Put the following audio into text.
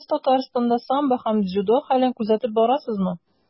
Сез Татарстанда самбо һәм дзюдо хәлен күзәтеп барасызмы?